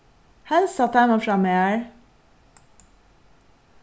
heilsa teimum frá mær